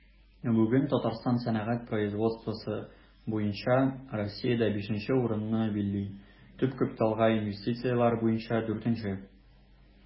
Бүген Татарстан сәнәгать производствосы буенча Россиядә 5 нче урынны били, төп капиталга инвестицияләр буенча 4 нче.